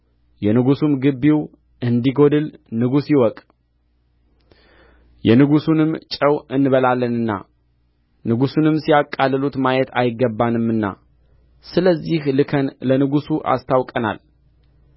የንጉሡም ግቢው እንዲጐድል ንጉሡ ይወቅ የንጉሡንም ጨው እንበላለንና ንጉሡንም ሲያቃልሉት ማየት አይገባንምና ስለዚህ ልከን ለንጉሡ አስታውቀናል